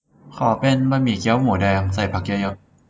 ขอเป็นบะหมี่เกี๊ยวหมูแดงใส่ผักเยอะเยอะ